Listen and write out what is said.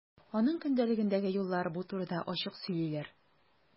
Аның көндәлегендәге юллар бу турыда ачык сөйлиләр.